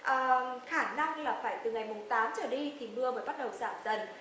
khả năng là phải từ ngày mùng tám trở đi thì mưa mới bắt đầu giảm dần